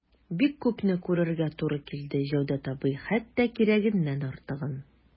Бик күпне күрергә туры килде, Җәүдәт абый, хәтта кирәгеннән артыгын...